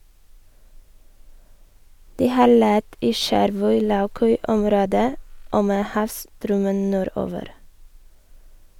De har lett i Skjervøy-Laukøy-området, og med havstrømmen nordover.